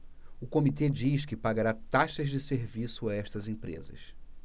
o comitê diz que pagará taxas de serviço a estas empresas